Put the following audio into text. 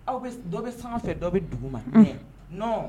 Aw bɛ dɔ bɛ san fɛ dɔ bɛ dugu ma ɛɛ n